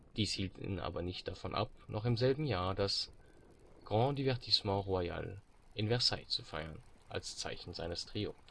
Dies hielt ihn aber nicht davon ab, noch im selben Jahr das „ Grand Divertissement Royal “in Versailles zu feiern, als Zeichen seines Triumphes